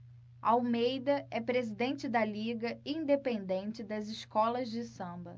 almeida é presidente da liga independente das escolas de samba